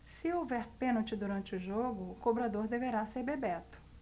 se houver pênalti durante o jogo o cobrador deverá ser bebeto